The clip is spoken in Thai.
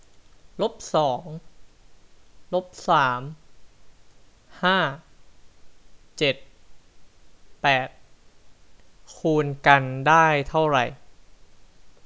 ลบสองลบสามห้าเจ็ดแปดคูณกันได้เท่าไหร่